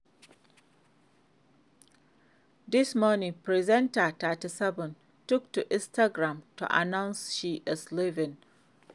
This Morning presenter, 37, took to Instagram to announce she is leaving.